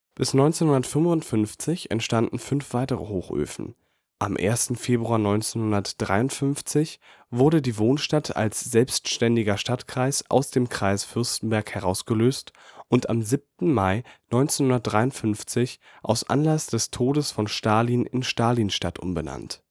Bis 1955 entstanden fünf weitere Hochöfen. Am 1. Februar 1953 wurde die Wohnstadt als selbstständiger Stadtkreis aus dem Kreis Fürstenberg herausgelöst und am 7. Mai 1953 aus Anlass des Todes von Stalin in Stalinstadt umbenannt